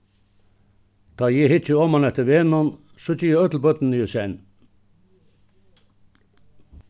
tá eg hyggi oman eftir vegnum síggi eg øll børnini í senn